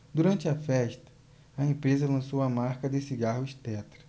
durante a festa a empresa lançou a marca de cigarros tetra